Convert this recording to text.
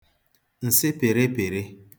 ǹsị pị̀rịpị̀rị